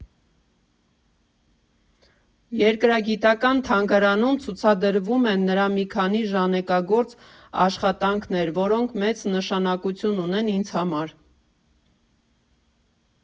Երկրագիտական թանգարանում ցուցադրվում են նրա մի քանի ժանեկագործ աշխատանքներ, որոնք մեծ նշանակություն ունեն ինձ համար։